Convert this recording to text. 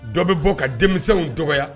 Dɔ bɛ bɔ ka denmisɛnw dɔgɔ